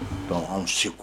Dɔnku anw segu